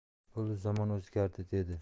bo'ldi zamon o'zgardi dedi